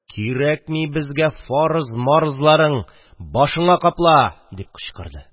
– кирәкми безгә фарыз-марызларың! башыңа капла!! – дип кычкырды.